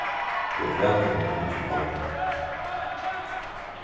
tú ert vælkomin at hyggja í faldaran